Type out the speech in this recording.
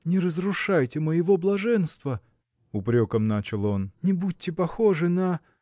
Не разрушайте моего блаженства упреком – начал он – не будьте похожи на.